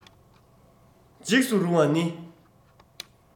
འཇིགས སུ རུང བ ནི